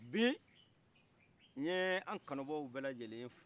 bi n'ye an kanubaw bɛ lajɛle fo